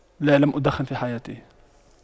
لا لم أدخن في حياتي